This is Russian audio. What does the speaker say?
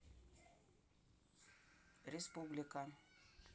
республика